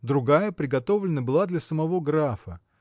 другая приготовлена была для самого графа.